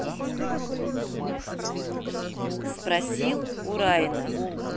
спросил у райана